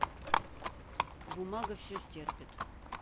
бумага все стерпит